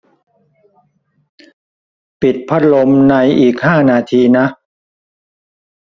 ปิดพัดลมในอีกห้านาทีนะ